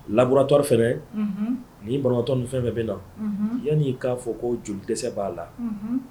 Labururatɔ fɛɛrɛ niiɔrɔtɔ fɛn bɛ na yan'i k'a fɔ ko joli dɛsɛ b'a la